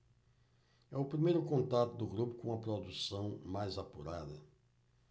é o primeiro contato do grupo com uma produção mais apurada